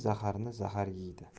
zaharni zahar yeydi